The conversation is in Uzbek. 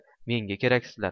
menga keraksizlar